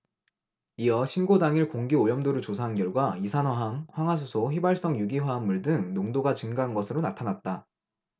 이어 신고 당일 공기오염도를 조사한 결과 이산화황 황화수소 휘발성유기화합물 등 농도가 증가한 것으로 나타났다